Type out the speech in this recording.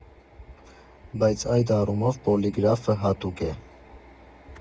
Բայց այդ առումով Պոլիգրաֆը հատուկ է։